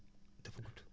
dafa gudd